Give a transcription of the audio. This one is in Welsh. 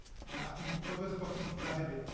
a dwi'n gwybod eich bo' chithau hefyd